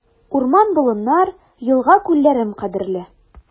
Урман-болыннар, елга-күлләрем кадерле.